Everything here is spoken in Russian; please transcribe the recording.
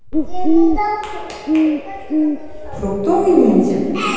фруктовый ниндзя